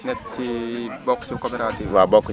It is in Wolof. nekk ci bokk ci coopérative bi